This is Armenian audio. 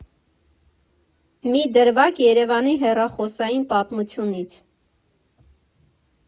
Մի դրվագ՝ Երևանի հեռախոսային պատմությունից։